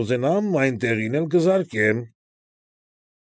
Ուզենամ այն տեղին էլ կզարկեմ։